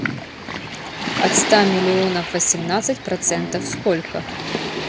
от ста миллионов восемнадцать процентов сколько